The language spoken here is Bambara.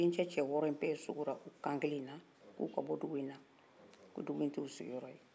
dencɛ cɛ wɔɔrɔ in bɛɛ sikor'o kan kelen in na ko dugu nin t'o siginyɔrɔ ye k'u ka bɔ dugu nin na